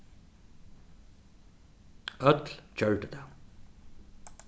øll gjørdu tað